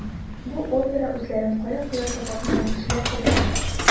Бу опера үзләрен кая куярга тапмаган кешеләр турында.